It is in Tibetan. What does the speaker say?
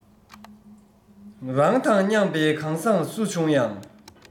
རང དང མཉམ པའི གང ཟག སུ བྱུང ཡང